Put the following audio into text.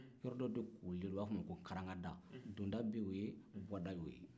yɔrɔ dɔ de kolilen don u b'a f'o ma ko karangada donda y'o ye bɔda y'o ye